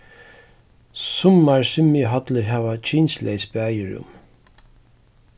summar svimjihallir hava kynsleys baðirúm